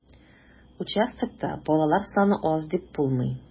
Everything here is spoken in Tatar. Участокта балалар саны аз дип булмый.